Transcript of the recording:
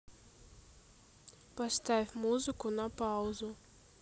поставь музыку на паузу